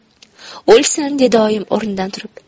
o'lsin dedi oyim o'rnidan turib